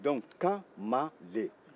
donc ka ma le